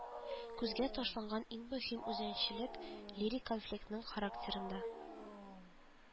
Күзгә ташланган иң мөһим үзенчәлек лирик конфликтның характерында